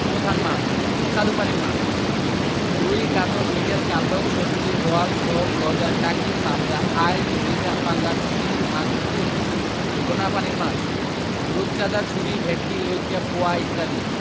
প্রধান মাছঃ স্বাদুপানির মাছ রুই কাতল মৃগেল কালবাউস সরপুঁটি বোয়াল শোল গজার টাকি পাবদা আইড় রিঠা পাঙ্গাস শিং মাগুর কৈ লোনাপানির মাছ রূপচাঁদা ছুরি ভেটকি লইট্ট পোয়া ইত্যাদি